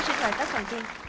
hoàn tất phần thi